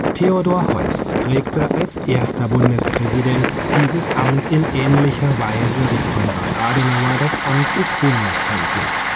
Theodor Heuss prägte als erster Bundespräsident dieses Amt in ähnlicher Weise wie Konrad Adenauer das Amt des Bundeskanzlers